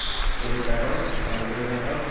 Står opp hver dag, lager øl hver dag.